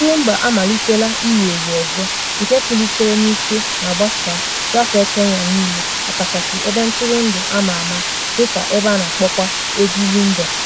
Egwu Rhumba amalitela iwu ewu ọzọ nke kulitere n'ike ma gbasaa, gafee Kenya niile ọkachasị ebe ntụrụndụ ama ama dịka ebe a na-akpọkwa egwu Rhumba.